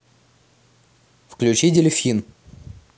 включи дельфин